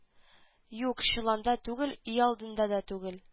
Юк чоланда түгел өйалдында да түгел